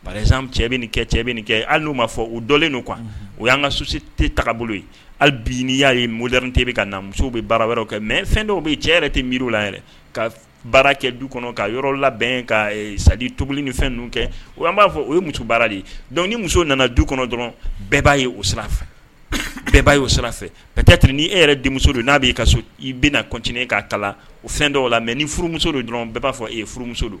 Bara cɛ kɛ cɛ kɛ hali n' maa fɔ o dɔlen kuwa o y'an ka susi tɛ taabolo ye hali bi'i y'a ye mote bɛ ka na muso bɛ baara wɛrɛw kɛ mɛ fɛn dɔw bɛ yen cɛ yɛrɛ tɛ mi la yɛrɛ ka baara kɛ du kɔnɔ ka yɔrɔ labɛn ka sadi tobili ni fɛn kɛ o' b'a fɔ o ye muso baara de ye dɔnku ni muso nana du kɔnɔ dɔrɔn bɛɛ b'a ye oo sira bɛɛ ba y' o sirafɛ katɛ ni e yɛrɛ denmuso don n'a b' ka so i bɛnatinin kaa kalan o fɛn dɔw o la mɛ ni furumuso don dɔrɔn bɛɛ b'a fɔ ye furumuso don